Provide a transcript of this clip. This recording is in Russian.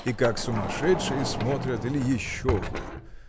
– И как сумасшедшие смотрят или еще хуже.